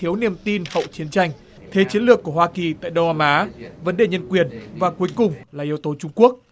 thiếu niềm tin hậu chiến tranh thế chiến lược của hoa kỳ tại đông nam á vấn đề nhân quyền và cuối cùng là yếu tố trung quốc